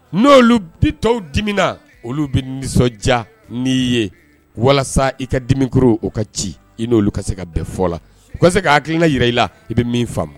N'oolu bi tɔw dimina olu bɛ nisɔndiya n' ye walasa i ka dimikoro o ka ci i n'olu ka se ka fɔ la se k'a hakiliki i ka jira i la i bɛ min fa ma